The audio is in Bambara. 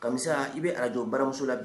Kami i bɛ araj baramuso la bi